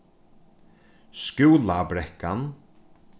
skúlabrekkan